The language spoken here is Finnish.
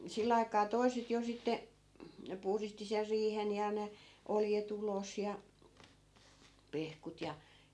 sillä aikaa toiset jo sitten puhdisti sen riihen ja ne oljet ulos ja pehkut ja